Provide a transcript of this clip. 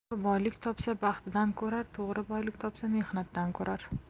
o'g'ri boylik topsa baxtidan ko'rar to'g'ri boylik topsa mehnatdan ko'rar